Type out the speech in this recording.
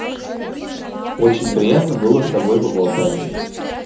очень приятно было с тобой поболтать